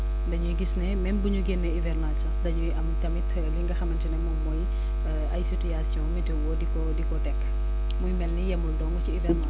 dañuy gis ne m^me bu ñu génnee hivernage sax dañuy am tamit li nga xamante ne moom mooy ay situations météo di ko di ko teg muy mel ni yemul dong ci hivernage